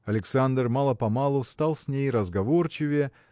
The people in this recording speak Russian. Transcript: Александр мало-помалу стал с ней разговорчивее